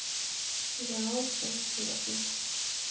сериал ван хельсинг